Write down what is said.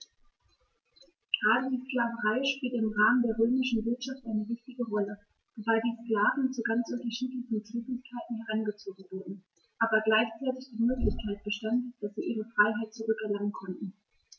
Gerade die Sklaverei spielte im Rahmen der römischen Wirtschaft eine wichtige Rolle, wobei die Sklaven zu ganz unterschiedlichen Tätigkeiten herangezogen wurden, aber gleichzeitig die Möglichkeit bestand, dass sie ihre Freiheit zurück erlangen konnten.